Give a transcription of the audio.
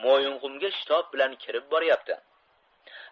mo'yinqumga shitob bilan kirib boryapti